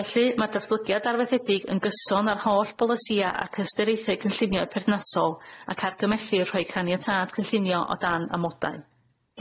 Felly ma' datblygiad arfeithiedig yn gyson â'r holl bolysia ac ystyrieitha cynllunio perthnasol ac argymhellir rhoi caniatâd cynllunio o dan amodau.